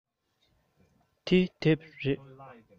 འདི དེབ རེད